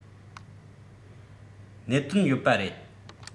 གནད དོན ཡོད པ རེད